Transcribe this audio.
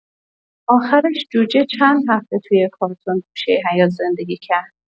آخرش جوجه چند هفته توی یه کارتن گوشه حیاط زندگی کرد.